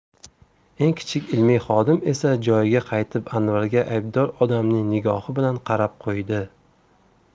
eng kichik ilmiy xodim esa joyiga qaytib anvarga aybdor odamning nigohi bilan qarab qo'ydi